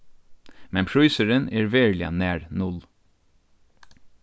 men prísurin er veruliga nær null